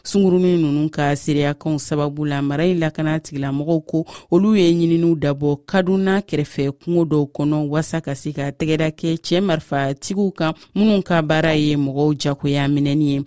sungurunnin ninnu ka seereya kan sababu la mara in lakanatigilamɔgɔw ko olu ye ɲininiw dabɔ kaduna kɛrɛfɛ kungo dɔw kɔnɔ walasa ka se ka tɛgɛ da cɛ marifatigiw kan minnu ka baara ye mɔgɔw diyagoyaminɛ ye